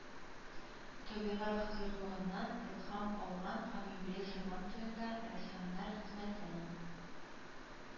Табигать хозурлыгыннан илһам алган һәм юбилей сабантуенда рәссамнар хезмәтенең